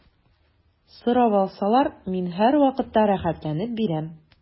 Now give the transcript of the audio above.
Сорап алсалар, мин һәрвакытта рәхәтләнеп бирәм.